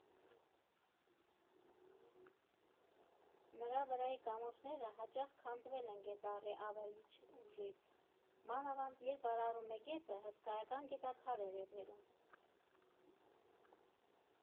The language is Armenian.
Նրա վրայի կամուրջները հաճախ քանդվել են Գետառի ավերիչ ուժից, մանավանդ, երբ վարարում է գետը, հսկայական գետաքարեր է բերում։